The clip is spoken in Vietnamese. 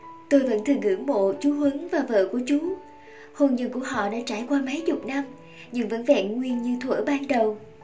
tôi vẫn thường ngưỡng mộ chú huấn và vợ của chú hôn nhân của họ đã trải qua mấy chục năm nhưng vẫn vẹn nguyên như thuở ban đầu